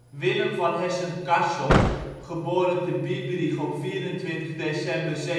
Willem van Hessen-Kassel (Biebrich, 24 december